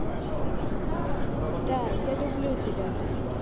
да я люблю тебя